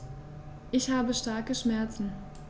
Ich habe starke Schmerzen.